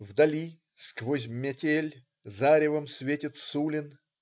Вдали сквозь метель заревом светит Сулин.